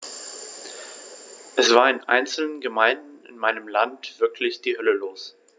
Es war in einzelnen Gemeinden in meinem Land wirklich die Hölle los.